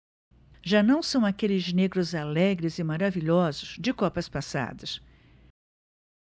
já não são aqueles negros alegres e maravilhosos de copas passadas